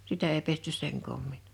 sitä ei pesty sen koommin